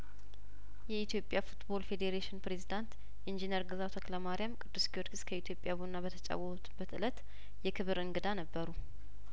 የኢትዮጵያ ፉትቦል ፌዴሬሽን ፕሬዚዳንት ኢንጂነር ግዛው ተክለማሪያም ቅዱስ ጊዮርጊስ ከኢትዮጵያ ቡና በተጫወቱበት እለት የክብር እንግዳ ነበሩ